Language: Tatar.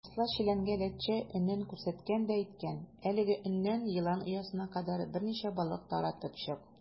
Кысла челәнгә ләтчә өнен күрсәткән дә әйткән: "Әлеге өннән елан оясына кадәр берничә балык таратып чык".